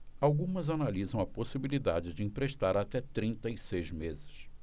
algumas analisam a possibilidade de emprestar até trinta e seis meses